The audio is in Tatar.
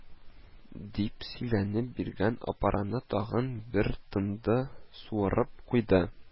" дип сөйләнеп, биргән апараны тагы бер тында суырып куйды